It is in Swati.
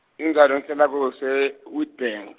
indzawo lengihlala kuse, Witban-.